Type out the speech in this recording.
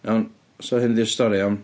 Iawn so hyn 'di'r stori, iawn.